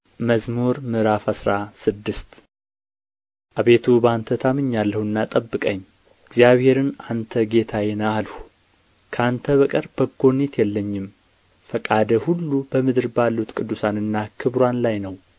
መዝሙር ምዕራፍ አስራ ስድስት አቤቱ በአንተ ታምኛለሁና ጠብቀኝ እግዚአብሔርን አንተ ጌታዬ ነህ አልሁ ከአንተ በቀር በጎነት የለኝም ፈቃድህ ሁሉ በምድር ባሉት ቅዱሳንና ክቡራን ላይ ነው